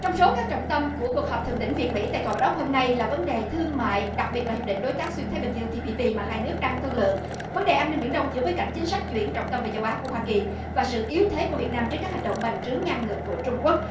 trong số các trọng tâm của cuộc họp thượng đỉnh việt mỹ tại tòa bạch ốc hôm nay là vấn đề thương mại đặc biệt là hiệp định đối tác xuyên thái bình dương ti pi pi mà hai nước đang thương lượng vấn đề an ninh biển đông giữa bối cảnh chính sách chuyển trọng tâm về châu á của hoa kỳ và sự yếu thế của việt nam trước các hành động bành trướng ngang ngược của trung quốc